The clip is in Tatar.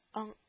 Аң